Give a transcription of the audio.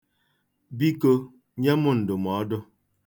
Biko, nye m ndụmọọdụ.